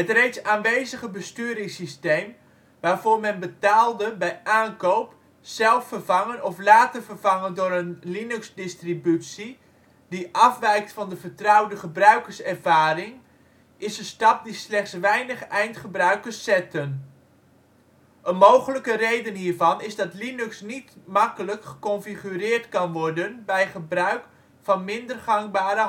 reeds aanwezige besturingssysteem waarvoor men betaalde bij aankoop zelf vervangen of laten vervangen door een Linux-distrubutie die afwijkt van de vertrouwde gebruikerservaring is een stap die slechts weinig eindgebruikers zetten. Een mogelijke reden hiervan is dat Linux niet makkelijk geconfigureerd kan worden bij gebruik van minder gangbare